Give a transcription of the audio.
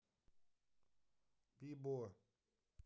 би бо